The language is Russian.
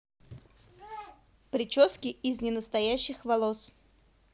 прически из ненастоящих волос